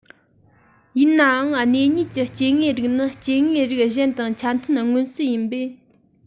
འབྱོར མེད གྲལ རིམ གྱི འཇིག རྟེན ལྟ བ འཛུགས དགོས པའི བསྐུལ མ མཛད པ རེད